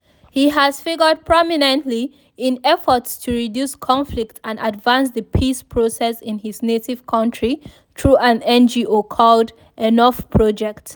He has figured prominently in efforts to reduce conflict and advance the peace process in his native country through an NGO called Enough Project.